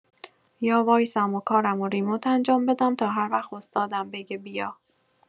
یا وایسم و کارمو ریموت انجام بدم تا هر وقت استادم بگه بیا؟